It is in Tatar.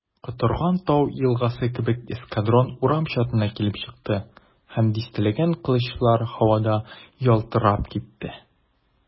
Котырган тау елгасы кебек эскадрон урам чатына килеп чыкты, һәм дистәләгән кылычлар һавада ялтырап китте.